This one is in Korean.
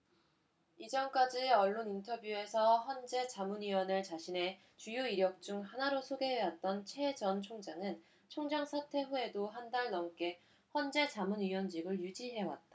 이전까지 언론 인터뷰에서 헌재 자문위원을 자신의 주요 이력 중 하나로 소개해왔던 최 전 총장은 총장 사퇴 후에도 한달 넘게 헌재 자문위원직을 유지해왔다